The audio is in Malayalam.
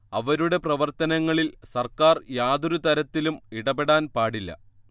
അവരുടെ പ്രവർത്തനങ്ങളിൽ സർക്കാർ യാതൊരു തരത്തിലും ഇടപെടാൻ പാടില്ല